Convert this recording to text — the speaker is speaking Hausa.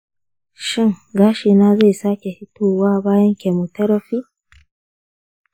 shin gashina zai sake fitowa bayan chemotherapy?